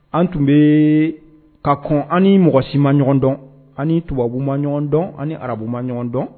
An tun bɛ ka kɔ an ni mɔgɔ si ma ɲɔgɔn dɔn, an ni tubabu ma ɲɔgɔn dɔn, an ni arabu ma ɲɔgɔn dɔn